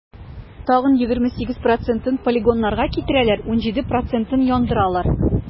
Тагын 28 процентын полигоннарга китерәләр, 17 процентын - яндыралар.